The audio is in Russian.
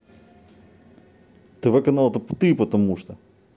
тв канал это ты потому что